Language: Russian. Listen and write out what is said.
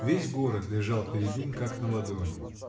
Весь город лежал перед ним как на ладони.